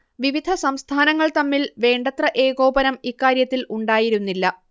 വിവിധ സംസ്ഥാനങ്ങൾ തമ്മിൽ വേണ്ടത്ര ഏകോപനം ഇക്കാര്യത്തിൽ ഉണ്ടായിരുന്നില്ല